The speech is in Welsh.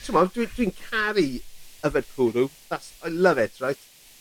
t'mod dwi dwi'n caru yfed cwrw. That's, Ilove it right?